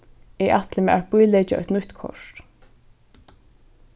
eg ætli mær at bíleggja eitt nýtt kort